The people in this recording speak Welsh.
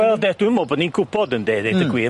Wel ynde dwi'm me'wl bo' ni'n gwbod ynde? Hmm. Ddeud y gwir .